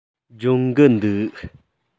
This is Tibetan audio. སྦྱོང གི འདུག